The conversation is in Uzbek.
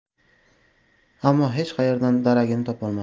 ammo hech qayerdan daragini topolmadi